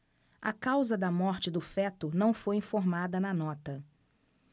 a causa da morte do feto não foi informada na nota